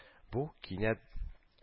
Бу кинәт